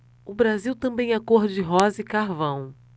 o brasil também é cor de rosa e carvão